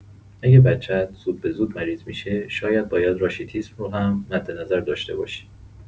اگه بچه‌ت زود به زود مریض می‌شه، شاید باید راشیتیسم رو هم مدنظر داشته باشی.